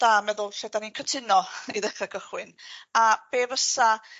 da meddwl lle 'dan ni'n cytuno i ddechra cychwyn. A be' fysa